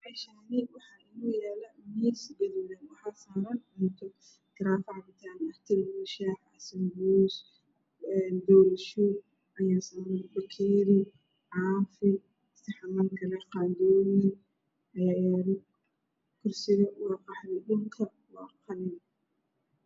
meeshaani waxaa inoo yaala miis gaduudan waxaa saaran cunto , garaafo cabitaan ah, tarmuus shaax ah ,sanbuus, doolsho ayaa saaran bakeeri , caafi saxaman kale qaadooyin kurisiga waa qaxwi dhulka waa qalin